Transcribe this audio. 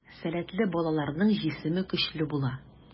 Сәләтле балаларның җисеме көчле була.